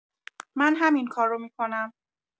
من همینکارو می‌کنم.